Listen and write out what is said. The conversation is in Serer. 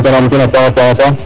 content nam ten a paxa paxa paax